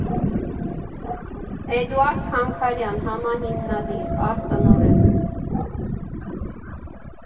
Էդուրդ Քանքանյան համահիմնադիր, արտ֊տնօրեն։